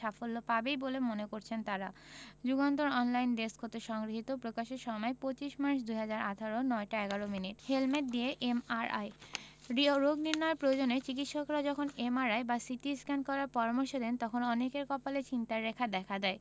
সাফল্য পাবেই বলে মনে করছেন তারা যুগান্তর অনলাইন ডেস্ক হতে সংগৃহীত প্রকাশের সময় ২৫ মার্চ ২০১৮ ০৯ টা ১১ মিনিট হেলমেট দিয়ে এমআরআই রোগ নির্নয়ের প্রয়োজনে চিকিত্সকরা যখন এমআরআই বা সিটিস্ক্যান করার পরামর্শ দেন তখন অনেকের কপালে চিন্তার রেখা দেখা দেয়